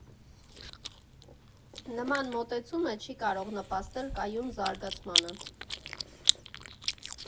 Նման մոտեցումը չի կարող նպաստել կայուն զարգացմանը։